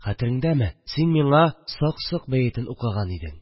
Хәтереңдәме, син миңа "Сак-сок" бәетен укыган идең?